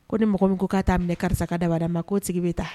Ko ni mɔgɔ min ko k'a taa mɛn karisaka da ma ko tigi bɛ taa